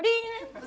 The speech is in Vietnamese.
đi nhanh lên